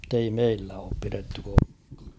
mutta ei meillä ole pidetty koskaan